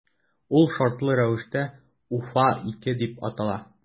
Ул шартлы рәвештә “Уфа- 2” дип атала.